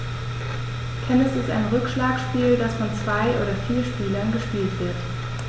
Tennis ist ein Rückschlagspiel, das von zwei oder vier Spielern gespielt wird.